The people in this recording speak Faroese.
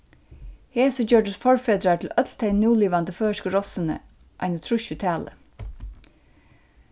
hesi gjørdust forfedrar til øll tey núlivandi føroysku rossini eini trýss í tali